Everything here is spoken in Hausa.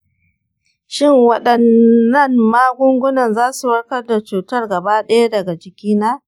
shin waɗannan magunguna za su warkar da cutar gaba ɗaya daga jikina?